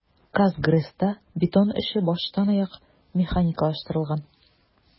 "казгрэс"та бетон эше баштанаяк механикалаштырылган.